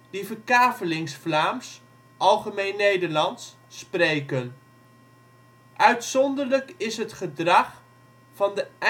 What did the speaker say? die Verkavelingsvlaams (" Algemeen Nederlands ") spreken. Uitzonderlijk is het gedrag van de